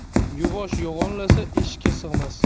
yuvosh yo'g'onlasa eshikka sig'mas